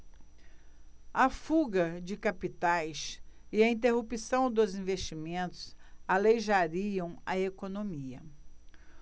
a fuga de capitais e a interrupção dos investimentos aleijariam a economia